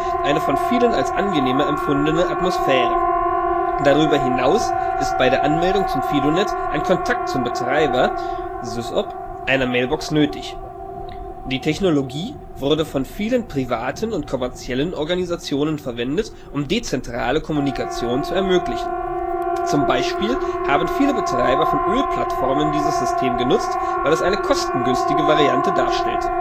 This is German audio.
vielen als angenehmer empfundene Atmosphäre. Darüberhinaus ist bei der Anmeldung zum FidoNet ein Kontakt zum Betreiber (SysOp) einer Mailbox nötig. Die Technologie wurde von vielen privaten und kommerziellen Organisationen verwendet, um dezentrale Kommunikation zu ermöglichen. Zum Beispiel haben viele Betreiber von Ölplattformen dieses System genutzt, weil es eine kostengünstige Variante darstellte